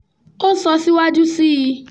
Ó sọ síwájú sí i: